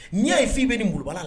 N'i ɲɛ'a ye Did bɛ nin malobaliya la